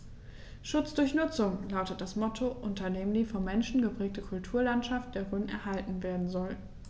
„Schutz durch Nutzung“ lautet das Motto, unter dem die vom Menschen geprägte Kulturlandschaft der Rhön erhalten werden soll.